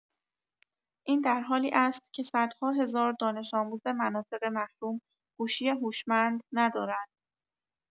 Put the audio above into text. این درحالی است که صدها هزار دانش‌آموز مناطق محروم، گوشی هوشمند ندارند.